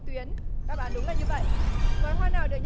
tuyến đáp án đúng là như vậy loài hoa nào được